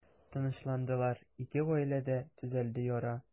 Тынычландылар, ике гаиләдә төзәлде яра.